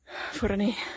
Ffwr â ni.